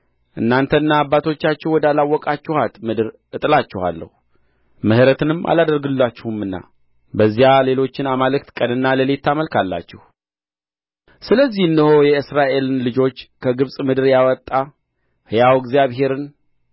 እናንተና አባቶቻችሁ ወዳላወቃችኋት ምድር እጥላችኋለሁ ምሕረትንም አላደርግላችሁምና በዚያ ሌሎችን አማልክት ቀንና ሌሊት ታመልካላችሁ ስለዚህ እነሆ የእስራኤልን ልጆች ከግብጽ ምድር ያወጣ ሕያው እግዚአብሔርን